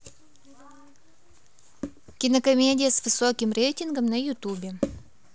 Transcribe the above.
кинокомедия с высоким рейтингом на ютубе